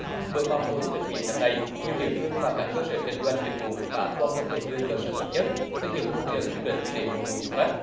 bước vào mùa du lịch biển năm nay nhiều địa phương và các cơ sở kinh doanh dịch vụ đã quan tâm đầu tư cơ sở vật chất xây dựng môi trường du lịch để phục vụ du khách